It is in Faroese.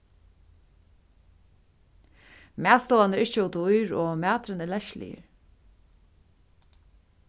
matstovan er ikki ov dýr og maturin er leskiligur